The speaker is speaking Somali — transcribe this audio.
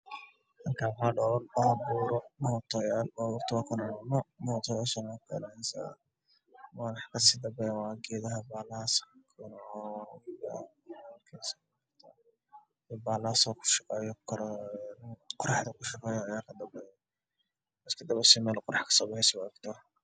Meeshan waxaa ka muuqdo gaarayaal iyo bajaajyo isku dhex jiro